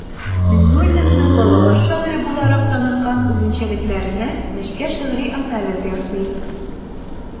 Миңнуллинны балалар шагыйре буларак таныткан үзенчәлекләренә нечкә шигъри анализ ясый.